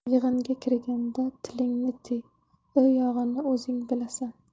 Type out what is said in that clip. yig'inga kirganda tilingni tiy u yog'ini o'zing bilasan